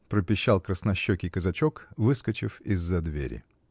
-- пропищал краснощекий казачок, выскочив из-за двери.